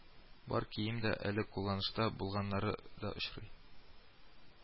Бар киемдә, әле кулланышта булганнары да очрый